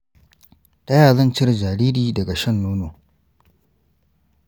ta yaya zan cire jariri daga shan nono?